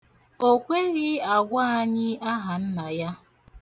O kweghị agwa anyị ahanna ya.